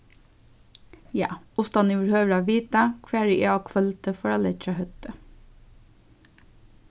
ja uttan yvirhøvur at vita hvar ið eg á kvøldi fór at leggja høvdið